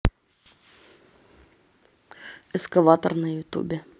экскаватор на ютубе